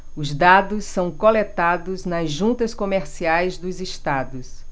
os dados são coletados nas juntas comerciais dos estados